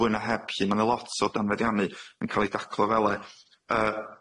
fwy na heb lly ma' n'w lot o danfeddiannu yn ca'l i daclo fele yy.